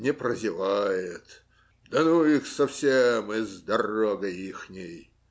Не прозевает; да ну их совсем и с дорогой ихней!